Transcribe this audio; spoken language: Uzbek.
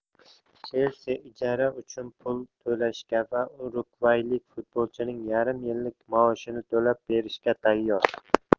chelsi ijara uchun pul to'lashga va urugvaylik futbolchining yarim yillik maoshini to'lab berishga tayyor